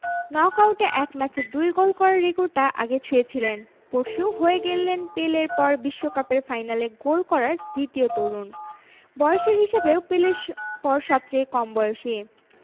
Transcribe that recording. নকআউটে এক ম্যাচে ২ গোল করার রেকর্ডটা আগেই ছুঁয়েছিলেন পরশু হয়ে গেলেন পেলের পর বিশ্বকাপের ফাইনালে গোল করা দ্বিতীয় তরুণ বয়সের হিসাবেও পেলের পর সবচেয়ে কম বয়সী